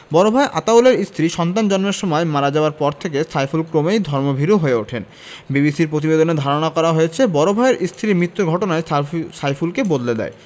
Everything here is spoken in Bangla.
বড় ভাই আতাউলের স্ত্রী সন্তান জন্মের সময় মারা যাওয়ার পর থেকে সাইফুল ক্রমেই ধর্মভীরু হয়ে ওঠেন বিবিসির প্রতিবেদনে ধারণা করা হয়েছে বড় ভাইয়ের স্ত্রীর মৃত্যুর ঘটনাই সাইফুলকে বদলে দেয়